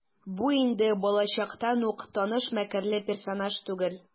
Бу инде балачактан ук таныш мәкерле персонаж түгел.